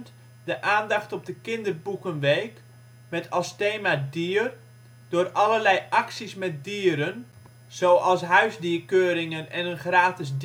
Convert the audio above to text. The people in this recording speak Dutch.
aandacht op de kinderboekenweek (met als thema " dier ") door allerlei acties met dieren (zoals huisdierkeuringen en een gratis